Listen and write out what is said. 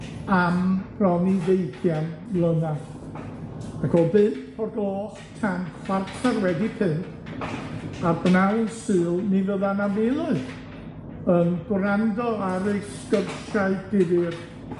am bron i ddeugian mlynadd, ac o bump o'r gloch tan chwartar wedi pum, a'r bnawn Sul mi fydda 'na miloedd yn gwrando ar ei sgwrsiau difyr